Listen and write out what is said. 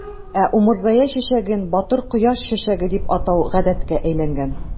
Ә умырзая чәчәген "батыр кояш чәчәге" дип атау гадәткә әйләнгән.